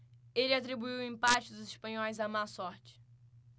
ele atribuiu o empate dos espanhóis à má sorte